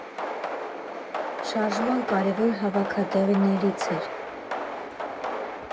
Շարժման կարևոր հավաքատեղիներից էր։